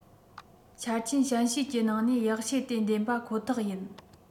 ཆ རྐྱེན ཞན ཤོས ཀྱི ནང ནས ཡག ཤོས དེ འདེམས པ ཁོ ཐག ཡིན